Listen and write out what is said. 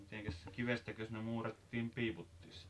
no mitenkäs kivestäkös ne muurattiin piiputkin sitten